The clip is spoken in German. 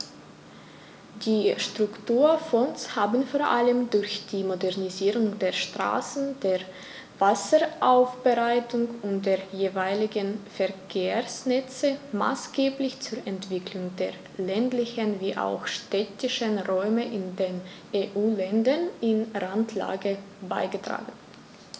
Die Strukturfonds haben vor allem durch die Modernisierung der Straßen, der Wasseraufbereitung und der jeweiligen Verkehrsnetze maßgeblich zur Entwicklung der ländlichen wie auch städtischen Räume in den EU-Ländern in Randlage beigetragen.